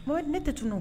Ne tɛ tunun